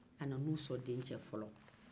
a nana u sɔn denkɛ fɔlɔ la